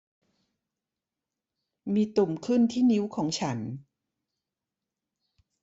มีตุ่มขึ้นที่นิ้วของฉัน